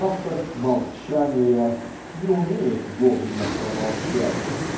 Автор "Молчания" не умеет вовремя помолчать